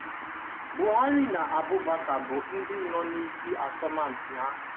Buhari na Abubakar bụ ndị nọ n'isi n'asọmụmpi a.